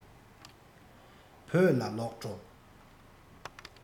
བོད ལ ལོག འགྲོ